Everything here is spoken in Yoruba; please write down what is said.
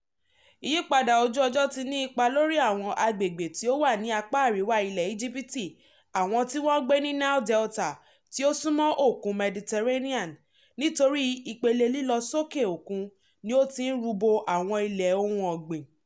Ìyípadà ojú ọjọ́ tí ń ní ipa lórí àwọn àgbègbè tí ó wà ní apá àríwá ilẹ̀ Íjíbítì, àwọn tí wọ́n ń gbé ní Nile delta tí ó súnmọ́ òkun Mediterranean nítorí ìpele lílọ sókè òkun ni ó ti ń ru bo àwọn ilẹ̀ ohun ọgbìn.